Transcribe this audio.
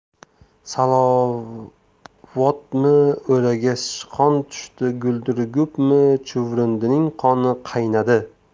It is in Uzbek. salavotmi o'raga sichqon tushdi guldir gupmi chuvrindining qoni qaynadi